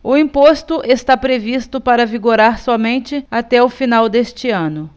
o imposto está previsto para vigorar somente até o final deste ano